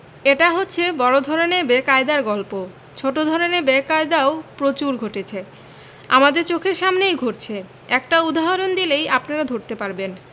এটা হচ্ছে বড় ধরনের বেকায়দার গল্প ছোট ধরনের বেকায়দাও প্রচুর ঘটেছে আমাদের চোখের সামনেই ঘটছে একটা উদাহরণ দিলেই আপনারা ধরতে পারবেন